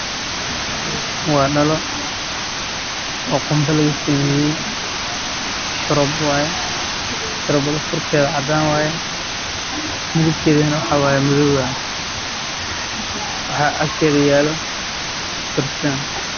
Waa sharoobo sharoobada furkeeda waa cadaan midab keeda waa madow